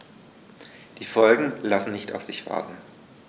Die Folgen lassen nicht auf sich warten.